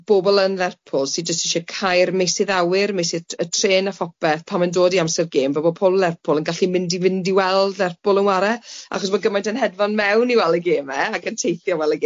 bobol yn Lerpwl sy jyst isie cau'r meysydd awyr meysydd t- y trên a phopeth pan ma'n dod i amser gêm fel bod pobol Lerpwl yn gallu mynd i fynd i weld Lerpwl yn ware achos ma' gymaint yn hedfan mewn i weld y geme ac yn teithio i weld y geme...